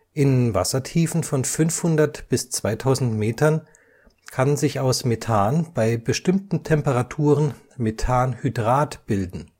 In Wassertiefen von 500 bis 2000 Metern kann sich aus Methan bei bestimmten Temperaturen Methanhydrat bilden